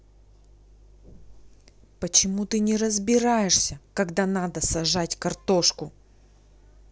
почему ты не разбираешься когда надо сажать картошку